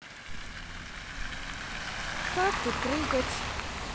как тут прыгать